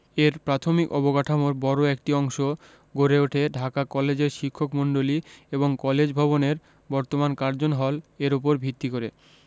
এর প্রাথমিক অবকাঠামোর বড় একটি অংশ গড়ে উঠে ঢাকা কলেজের শিক্ষকমন্ডলী এবং কলেজ ভবনের বর্তমান কার্জন হল উপর ভিত্তি করে